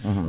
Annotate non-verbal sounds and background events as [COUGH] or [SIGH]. [HESITATION] [HESITATION]